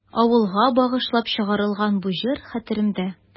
Авылга багышлап чыгарылган бу җыр хәтеремдә.